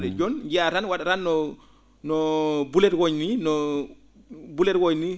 jooni njiyaa tan wa?a tan no no buletwoñ ni no boletoñni